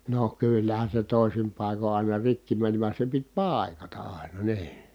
no kyllähän se toisin paikoin aina rikki meni vaan se piti paikata aina niin